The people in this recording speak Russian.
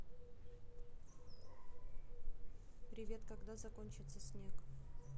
привет когда закончится снег